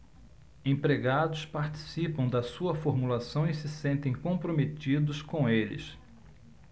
empregados participam da sua formulação e se sentem comprometidos com eles